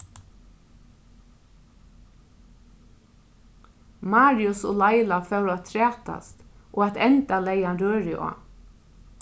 marius og laila fóru at trætast og at enda legði hann rørið á